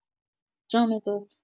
جامدات